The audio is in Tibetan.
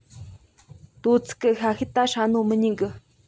དོ ཚིགས གི ཤ ཤེད ད ཧྲ ནོ མི ཉན གི